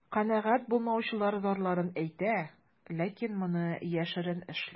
Канәгать булмаучылар зарларын әйтә, ләкин моны яшерен эшли.